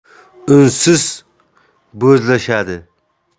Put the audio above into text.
unsiz bo'zlashadi